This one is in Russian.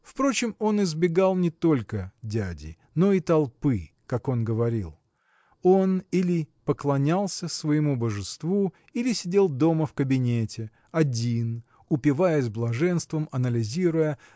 Впрочем, он избегал не только дяди, но и толпы, как он говорил. Он или поклонялся своему божеству или сидел дома в кабинете один упиваясь блаженством анализируя